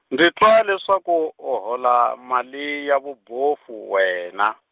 ndzi twa leswaku u hola mali ya vubofu wena.